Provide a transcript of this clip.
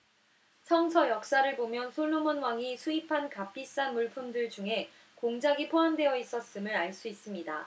성서 역사를 보면 솔로몬 왕이 수입한 값비싼 물품들 중에 공작이 포함되어 있었음을 알 수 있습니다